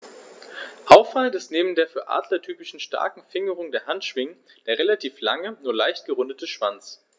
Auffallend ist neben der für Adler typischen starken Fingerung der Handschwingen der relativ lange, nur leicht gerundete Schwanz.